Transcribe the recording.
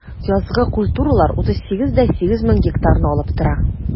Язгы культуралар 38,8 мең гектарны алып тора.